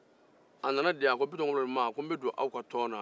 a ko bitɔn kulubali ma ko n bɛ don aw ka tɔn na